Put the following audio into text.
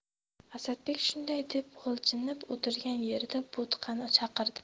asadbek shunday deb g'ijinib o'tirgan yerida bo'tqani chaqirdi